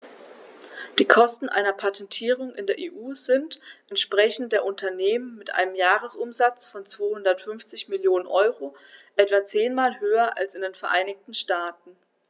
Die Kosten einer Patentierung in der EU sind, entsprechend der Unternehmen mit einem Jahresumsatz von 250 Mio. EUR, etwa zehnmal höher als in den Vereinigten Staaten.